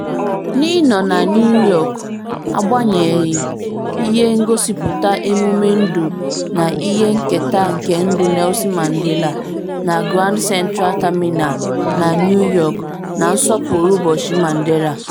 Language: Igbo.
N'ịnọ na New York, a gbanyere ihe ngosipụta emume ndụ na ihe nketa nke ndụ Nelson Mandela na Grand Central Terminal na New York na nsọpụrụ ụbọchị Mandela 46664.